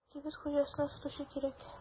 Кибет хуҗасына сатучы кирәк.